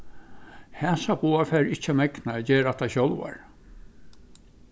hasar báðar fara ikki at megna at gera hatta sjálvar